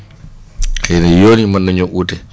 xëy na yoon yi mën nañoo uute